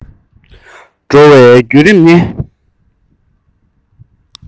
འགྲོ བའི བརྒྱུད རིམ ནི